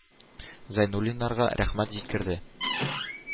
Зәйнуллиннарга рәхмәт җиткерде.